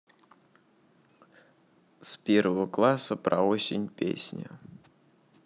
с первого класса про осень песни